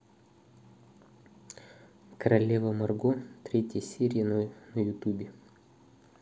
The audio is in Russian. королева марго третья серия на ютубе